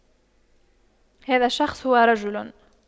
هذا الشخص هو رجل